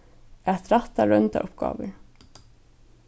at rætta royndaruppgávur